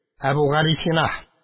Әбүгалисина